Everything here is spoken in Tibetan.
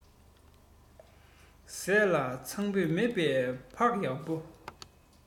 ཟས ལ གཙང སྨེ མེད པའི བག ཡངས པོ